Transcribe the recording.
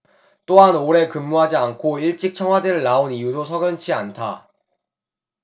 또한 오래 근무하지 않고 일찍 청와대를 나온 이유도 석연치 않다